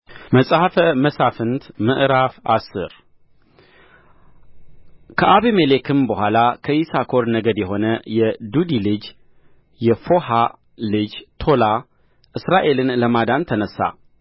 መጽሐፈ መሣፍንት ምዕራፍ አስር ከአቤሜሌክም በኋላ ከይሳኮር ነገድ የሆነ የዱዲ ልጅ የፎሖ ልጅ ቶላ እስራኤልን ለማዳን ተነሣ